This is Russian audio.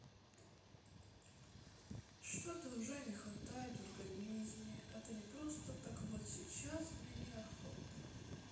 что то уже не хватает в организме это не просто так вот сейчас мне не охота